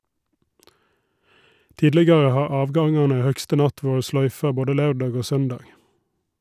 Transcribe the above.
Tidlegare har avgangane høgste natt vore sløyfa både laurdag og søndag.